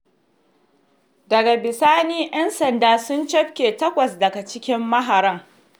Daga bisani 'yan sanda sun cafke takwas daga cikin maharan.